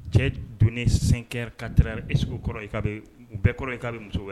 Cɛ don sen kɛ kate e sugu kɔrɔ bɛɛ kɔnɔ i k'a muso ye